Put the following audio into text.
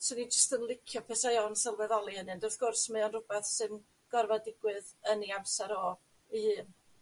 'swn i jyst yn licio petai o'n sylweddoli ynny ond wrth gwrs mae o'n rwbeth sy'n gorfo digwydd yn 'i amser o 'i hun.